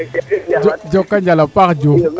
njoko njal a paax Diouf